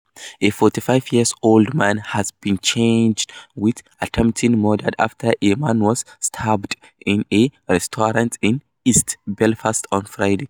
A 45-year-old man has been charged with attempted murder after a man was stabbed in a restaurant in east Belfast on Friday.